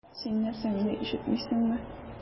Син нәрсә, мине ишетмисеңме?